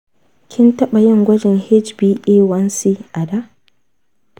kin taɓa yin gwajin hba1c a da?